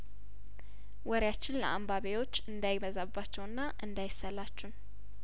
ወሬያችን ለአንባቢዎች እንዳይበዛባቸውና እንዱ ይሰላቹን